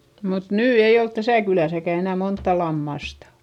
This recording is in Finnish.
mutta nyt ei ole tässä kylässäkään enää montaa lammasta